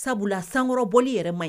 Sabula sankɔrɔbɔ yɛrɛ ma ye